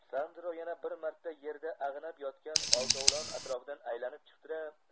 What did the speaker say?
sandro yana bir marto yerda ag'anab yotgan oltovlon atrofidan aylanib chiqdi da